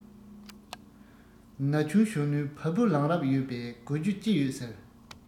ན ཆུང གཞོན ནུའི བ སྤུ ལངས རབས ཡོད པས དགོད རྒྱུ ཅི ཡོད ཟེར